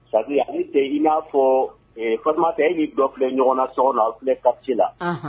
Sabu i n'a fɔ fa tɛ e ni dɔ filɛ ɲɔgɔn na so sɔgɔma filɛ ka la